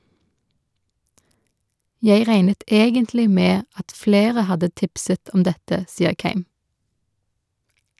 Jeg regnet egentlig med at flere hadde tipset om dette, sier Keim.